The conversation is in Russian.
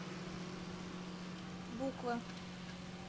буквы